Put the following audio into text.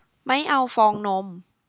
ไม่เอาฟองนม